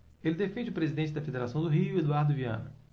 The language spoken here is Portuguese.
ele defende o presidente da federação do rio eduardo viana